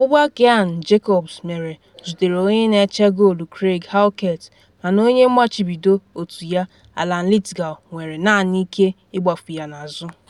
Ọgbụgba Keaghan Jacobs mere zutere onye na-eche goolu Craig Halkett mana onye mgbachibido otu ya Alan Lithgow nwere naanị ike ịgbafu ya n’azụ.